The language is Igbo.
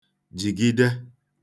jìgide